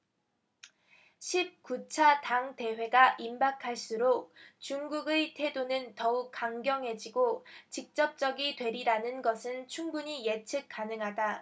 십 구 차 당 대회가 임박할수록 중국의 태도는 더욱 강경해지고 직접적이 되리리라는 것은 충분히 예측 가능하다